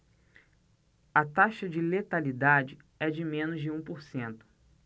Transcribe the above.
a taxa de letalidade é de menos de um por cento